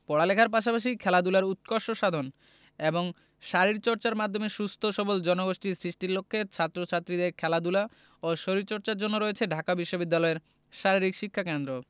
পড়ালেখার পাশাপাশি খেলাধুলার উৎকর্ষ সাধন এবং শরীরচর্চার মাধ্যমে সুস্থ সবল জনগোষ্ঠী সৃষ্টির লক্ষ্যে ছাত্র ছাত্রীদের খেলাধুলা ও শরীরচর্চার জন্য রয়েছে ঢাকা বিশ্ববিদ্যালয়ে শারীরিক শিক্ষাকেন্দ্র